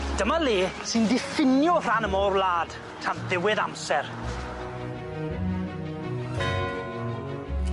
Dyma le sy'n diffinio rhan yma o'r wlad tan ddiwedd amser.